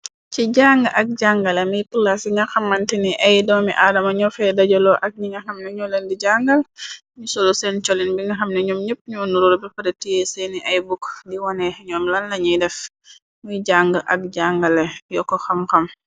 Ci jàng ak jàngale mikula ci nga xamante ni ay doomi aarama ñoo fey dajaloo ak ni ngaxam na ñoo len di jangal ni solu seen colin bi nga xam na ñoom ñepp ñoo nuror be paratiyee seeni ay bukk di wane ñoom lan lañuy def muy jàng ak jàngale yoko xam-xam.